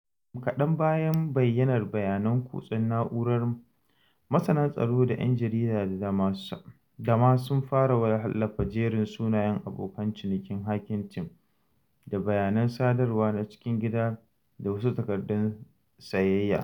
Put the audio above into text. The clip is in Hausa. Jim-kaɗan bayan bayyanar bayanan kutsen na'urar, masana tsaro da ‘yan jarida da dama sun fara wallafa jerin sunayen abokan cinikin Hacking Team, da bayanan sadarwa na cikin gida, da wasu takardun sayayya.